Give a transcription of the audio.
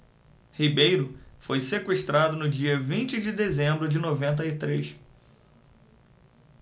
ribeiro foi sequestrado no dia vinte de dezembro de noventa e três